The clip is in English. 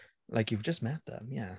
Like you've just met them yeah.